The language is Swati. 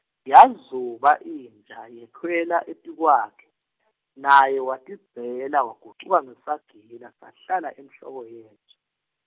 Yazuba inja yekhwela etikwakhe , naye watidzela wagucuka ngesagila sahlala enhloko yenja.